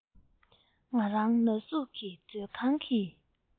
ང རང ན ཟུག གིས མཛོད ཁང གི